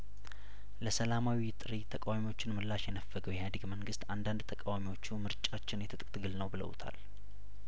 ለሰላማዊ ውይይት ጥሪ ተቃዋሚዎቹን ምላሽ የነፈገው የኢህአዴግ መንግስት አንዳንድ ተቃዋሚዎቹ ምርጫችን የትጥቅ ትግል ነው ብለውታል